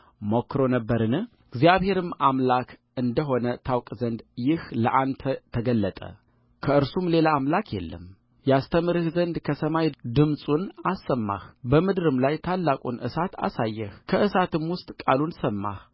ሞክሮ ነበርን እግዚአብሔርም አምላክ እንደ ሆነ ታውቅ ዘንድ ይህ ለአንተ ተገለጠ ከእርሱም ሌላ አምላክ የለምያስተምርህ ዘንድ ከሰማይ ድምፁን አሰማህ በምድርም ላይ ታላቁን እሳት አሳየህ ከእሳትም ውስጥ ቃሉን ሰማህ